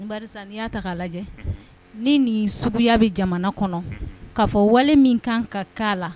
Lajɛ ni nin suguya bɛ jamana kɔnɔ k kaa fɔ wale min kan ka kaana la